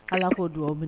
Allah k'o dugawu minɛ.